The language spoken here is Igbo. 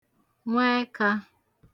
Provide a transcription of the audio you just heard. nwa ẹkā